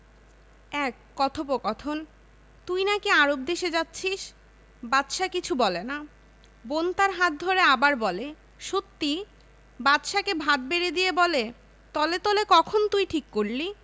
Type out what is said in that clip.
০১ কথোপকথন তুই নাকি আরব দেশে যাচ্ছিস বাদশা কিছু বলে না বোন তার হাত ধরে আবার বলে সত্যি বাদশাকে ভাত বেড়ে দিয়ে বলে তলে তলে কখন তুই ঠিক করলি